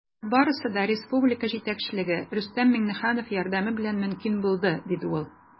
Болар барысы да республика җитәкчелеге, Рөстәм Миңнеханов, ярдәме белән мөмкин булды, - диде ул.